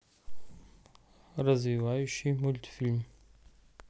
развивающий мультфильм